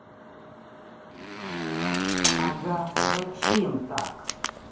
ага зачем так